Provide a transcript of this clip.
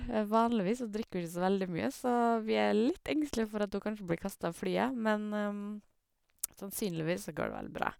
Vanligvis så drikker hun ikke så veldig mye, så vi er litt engstelig for at hun kanskje blir kasta av flyet, men sannsynligvis så går det vel bra.